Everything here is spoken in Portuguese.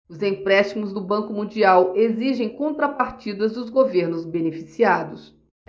os empréstimos do banco mundial exigem contrapartidas dos governos beneficiados